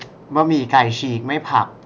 บะหมี่ไก่ฉีกไม่ผัก